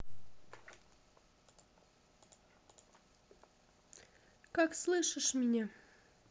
как слышишь меня